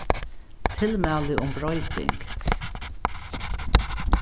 tilmæli um broyting